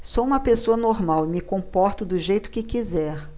sou homossexual e me comporto do jeito que quiser